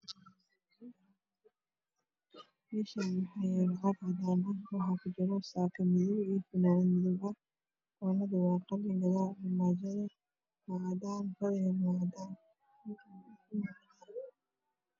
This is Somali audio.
Meshan waxa yalo caag cadan ah waxa ku jiro sako madow ah io funanad madow ah gonada waa qalin gadal armajada waa cadan madxeda waa cadan